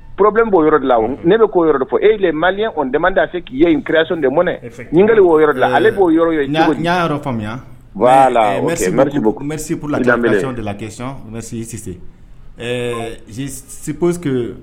Problème b'o yɔrɔ de la o, ne bɛ k'o yɔrɔ de fɔ et les maliens ont demandé à ce qu'il ait une création de monnaie, effectivement, ɲininkali b'o yɔrɔ de la ale b'o yɔrɔ ye cogo di? N y'a yɔrɔ faamuya voilà, merci beaucoup, merci pour la clarification de la question i Sise ɛɛ je suppose que